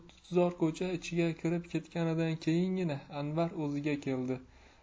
u tutzor ko'cha ichiga kirib ketganidan keyingina anvar o'ziga keldi